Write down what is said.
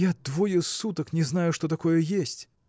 – Я двое суток не знаю, что такое есть.